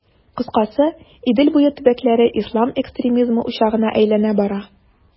Кыскасы, Идел буе төбәкләре ислам экстремизмы учагына әйләнә бара.